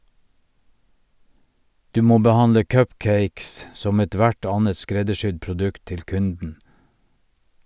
Du må behandle cupcakes som ethvert annet skreddersydd produkt til kunden.